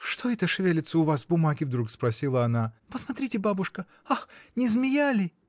Что это шевелится у вас в бумаге? — вдруг спросила она. — Посмотрите, бабушка. ах, не змея ли?